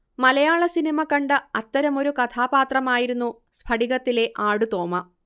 മലയാളസിനിമ കണ്ട അത്തരമൊരു കഥാപാത്രമായിരുന്നു 'സ്ഫടിക'ത്തിലെ ആടുതോമ